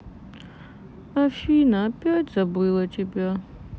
афина опять забыла тебя